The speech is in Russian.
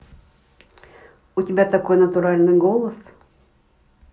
у тебя такой натуральный голос